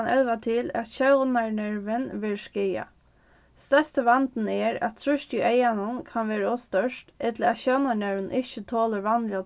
kann elva til at sjónarnervin verður skaðað størsti vandin er at trýstið í eyganum kann vera ov stórt ella at sjónarnervin ikki tolir vanliga